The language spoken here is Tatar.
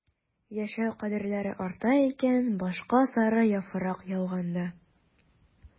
Яшәү кадерләре арта икән башка сары яфрак яуганда...